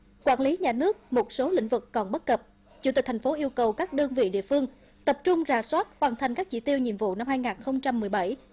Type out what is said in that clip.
quản lý nhà nước một số lĩnh vực còn bất cập chủ tịch thành phố yêu cầu các đơn vị địa phương tập trung rà soát hoàn thành các chỉ tiêu nhiệm vụ năm hai ngàn không trăm mười bảy